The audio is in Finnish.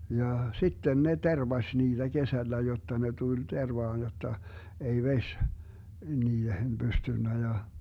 ja sitten ne tervasi niitä kesällä jotta ne tuli tervaan jotta ei vesi niihin pystynyt ja